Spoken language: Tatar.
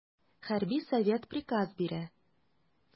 Хәрби совет приказ бирә.